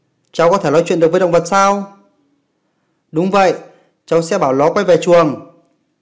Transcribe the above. cháu có thể nói chuyện với động vật sao đúng vậy cháu sẽ bảo nó quay về chuồng